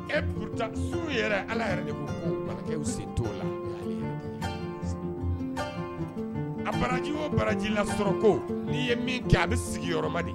Et pourtant sun Ala yɛrɛ de k'o mɛlɛkɛw se to la, a baraji o barajila sɔrɔ ko n'i ye min kɛ a bɛ sigi yɔrɔma.